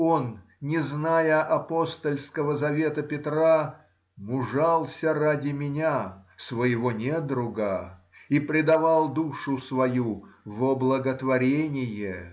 он, не зная апостольского завета Петра, мужался ради меня (своего недруга) и предавал душу свою в благотворение.